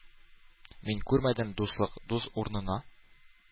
Мин күрмәдем дуслык... дус урнына